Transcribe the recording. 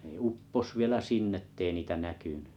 ne upposi vielä sinne että ei niitä näkynyt